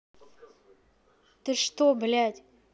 ты что блядь